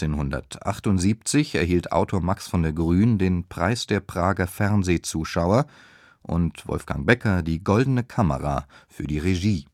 1978 erhielt Autor Max von der Grün den Preis der Prager Fernsehzuschauer und Wolfgang Becker die Goldene Kamera für die Regie